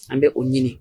An bɛ o ɲini